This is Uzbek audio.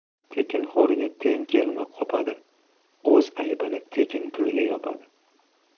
tekinxo'rga teng kelma qopadi o'z aybini tekin pulga yopadi